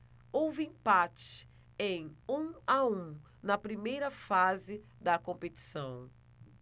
houve empate em um a um na primeira fase da competição